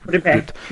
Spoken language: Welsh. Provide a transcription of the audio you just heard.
Yr un peth.